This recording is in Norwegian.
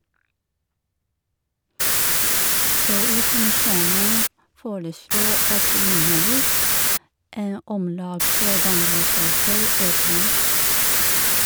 EU-kommisjonen foreslo opprinnelig en omlag tre ganger så høy økning.